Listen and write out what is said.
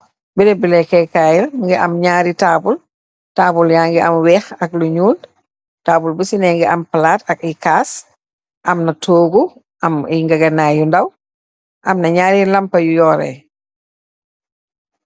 Bèrebulekkèkaay la mungi am ñaari taabul, taabul ya ngi am weeh ak lu ñuul. Taabul bu nekk ya ngi am palaat ak caas, am na toogu am ay ngegenaay yu ndaw, amna ñaari lampa yu yoorè.